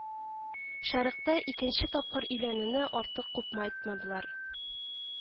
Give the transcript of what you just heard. Шәрекътә икенче тапкыр өйләнүне артык кумпайтмадлар